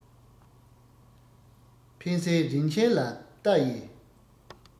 འཕན ཟེལ རིན ཆེན ལ ལྟ ཡི